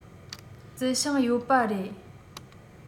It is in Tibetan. རྩི ཤིང ཡོད པ རེད